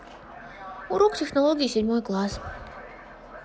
урок технологии седьмой класс